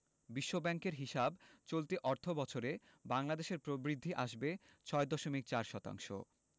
বিশ্বব্যাংকের হিসাব চলতি অর্থবছরে বাংলাদেশের প্রবৃদ্ধি আসবে ৬.৪ শতাংশ